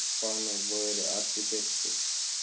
stefano boeri architetti